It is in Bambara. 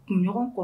Kunɲɔgɔn kɔ